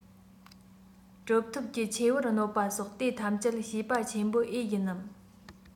གྲུབ ཐོབ ཀྱི ཆེ བར གནོད པ སོགས དེ ཐམས ཅད བྱས པ ཆེན པོ ཨེ ཡིན ནམ